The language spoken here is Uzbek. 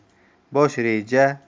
bosh reja